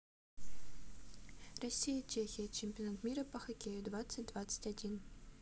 россия чехия чемпионат мира по хоккею двадцать двадцать один